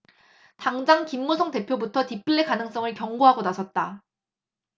당장 김무성 대표부터 디플레 가능성을 경고하고 나섰다